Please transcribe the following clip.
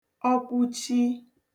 ọkwụchi